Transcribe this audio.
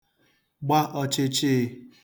gba ọchịchịị